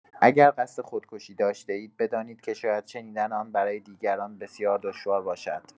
اگر قصد خودکشی داشته‌اید، بدانید که شاید شنیدن آن برای دیگران بسیار دشوار باشد.